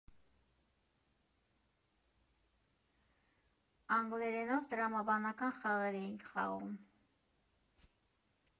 Անգլերենով տրամաբանական խաղեր էինք խաղում։